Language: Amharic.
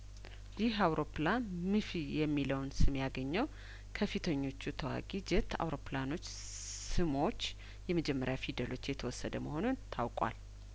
ይህ አውሮፕላንም ፊ የሚለውን ስም ያገኘው ከፊተኞቹ ተዋጊ ጄት አውሮፕላኖች ስሞች የመጀመሪያፊደሎች የተወስደ መሆኑን ታውቋል